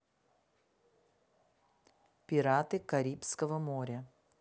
пираты карибского моря